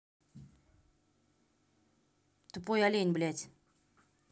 тупой олень блядь